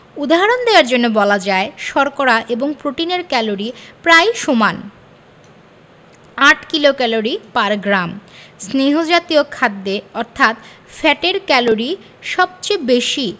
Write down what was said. উদাহরণ দেয়ার জন্যে বলা যায় শর্করা এবং প্রোটিনের ক্যালরি প্রায় সমান ৮ কিলোক্যালরি পার গ্রাম স্নেহ জাতীয় খাদ্যে অর্থাৎ ফ্যাটের ক্যালরি সবচেয়ে বেশি